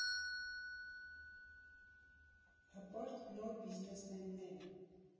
Հպարտ նոր բիզնեսմենները։